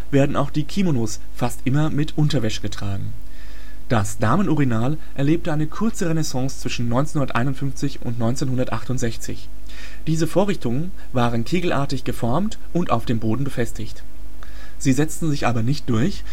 werden auch die Kimonos fast immer mit Unterwäsche getragen. Das Damenurinal erlebte eine kurze Renaissance zwischen 1951 und 1968. Diese Vorrichtungen waren kegelartig geformt und auf dem Boden befestigt. Sie setzten sich aber nicht durch